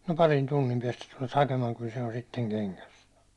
no parin tunnin päästä tulet hakemaan kyllä se on sitten kengässä